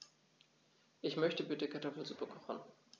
Ich möchte bitte Kartoffelsuppe kochen.